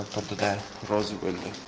turdi da rozi bo'ldi